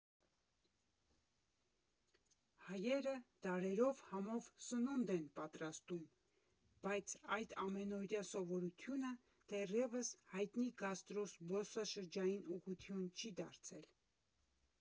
Հայերը դարերով համով սնունդ են պատրաստում, բայց այդ ամենօրյա սովորությունը դեռևս հայտնի գաստրո զբոսաշրջային ուղղություն չի դարձել։